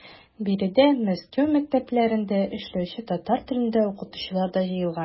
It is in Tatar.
Биредә Мәскәү мәктәпләрендә эшләүче татар телле укытучылар да җыелган.